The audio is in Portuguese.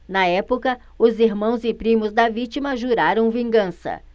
na época os irmãos e primos da vítima juraram vingança